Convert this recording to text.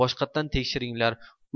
boshqatdan tekshiringlar